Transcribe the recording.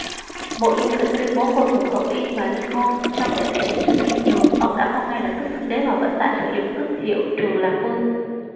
mộ dung thịnh tuyên bố khôi phục hậu yên và lên ngôi song để thể hiện sự khiêm nhường ông đã không ngay lập tức xưng đế mà vẫn tạm sử dụng tước hiệu trường lạc vương